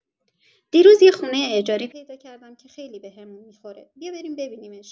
دیروز یه خونه اجاری پیدا کردم که خیلی بهمون می‌خوره، بیا بریم ببینیمش.